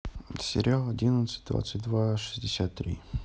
сериал одиннадцать двадцать два шестьдесят три